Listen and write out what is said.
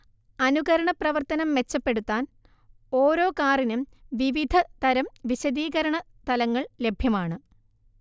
അനുകരണ പ്രവർത്തനം മെച്ചപ്പെടുത്താൻ ഓരോ കാറിനും വിവിധ തരം വിശദീകരണ തലങ്ങൾ ലഭ്യമാണ്